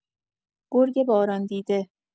گرگ باران دیده